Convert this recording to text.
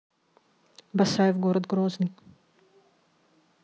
басаев город грозный